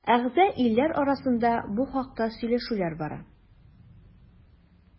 Әгъза илләр арасында бу хакта сөйләшүләр бара.